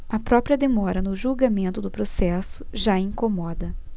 a própria demora no julgamento do processo já incomoda